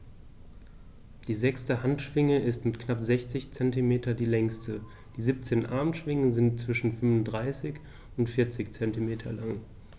Die sechste Handschwinge ist mit knapp 60 cm die längste. Die 17 Armschwingen sind zwischen 35 und 40 cm lang.